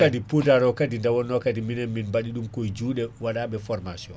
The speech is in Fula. kaadi poudare o kaadi nde wonno kaadi minen min baɗi ɗum koye juuɗe waɗaɓe formation